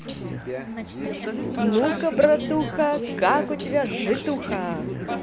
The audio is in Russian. ну ка братуха как у тебя житуха